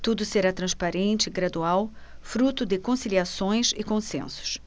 tudo será transparente e gradual fruto de conciliações e consensos